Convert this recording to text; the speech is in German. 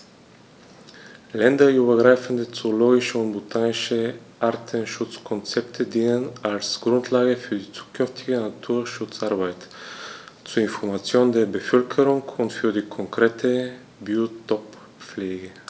Länderübergreifende zoologische und botanische Artenschutzkonzepte dienen als Grundlage für die zukünftige Naturschutzarbeit, zur Information der Bevölkerung und für die konkrete Biotoppflege.